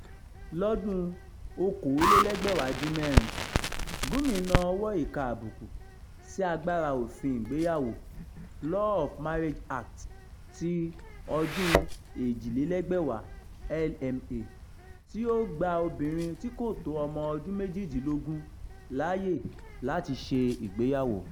Lọ́dún-un 2016, Gyumi na ọwọ́ ìka àbùkù sí agbára Òfin Ìgbéyàwó; Law of Marriage Act, 2002 (LMA) tí ó gba obìnrin tí kò tó ọmọ ọdún méjìdínlógún láyè láti ṣe ìgbéyàwó.